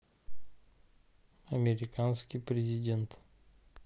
американский президент